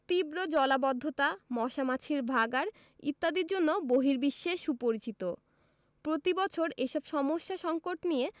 তীব্র জলাবদ্ধতা মশা মাছির ভাঁগাড় ইত্যাদির জন্য বহির্বিশ্বে সুপরিচিত প্রতিবছর এসব সমস্যা সঙ্কট নিয়ে